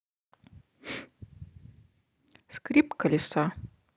скрип колеса